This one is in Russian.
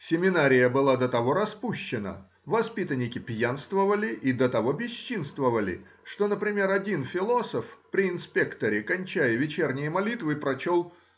Семинария была до того распущена, воспитанники пьянствовали и до того бесчинствовали, что, например, один философ при инспекторе, кончая вечерние молитвы, прочел